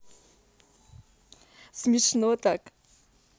смешно так